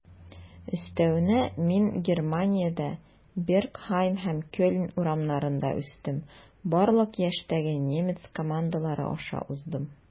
Өстәвенә, мин Германиядә, Бергхайм һәм Кельн урамнарында үстем, барлык яшьтәге немец командалары аша уздым.